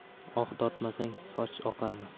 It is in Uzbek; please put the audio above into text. oh tortmasang soch oqarmas